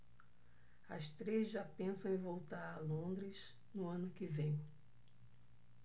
as três já pensam em voltar a londres no ano que vem